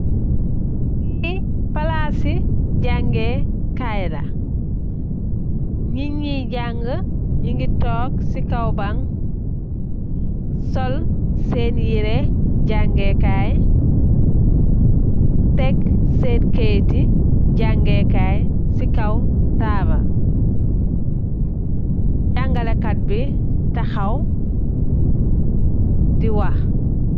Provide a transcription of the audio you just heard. Fii palaas i jaangee kaay la, nit ñiy jangë ñu ngi toog si kow bang sol seen i, yiree jaangee kaay, tek seen kayiti jañgee kaay si kow taabul, jaañgale kat bi taxaw di wax.